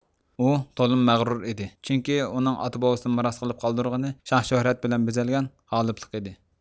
ئۇ تولىمۇ مەغرۇر ئىدى چۈنكى ئۇنىڭ ئاتا بوۋىسىنىڭ مىراس قىلىپ قالدۇرغىنى شان شۆھرەت بىلەن بېزەلگەن غالىپلىق ئىدى